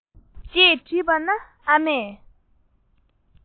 ཅེས དྲིས པ ན ཨ མས